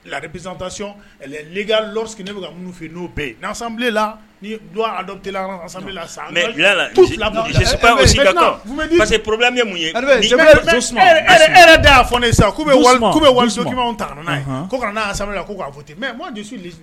Larecli ti ne bɛ n'o nibi sa waliso ta'a kana'a fɔ ten mɛ